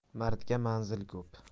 mardga manzil ko'p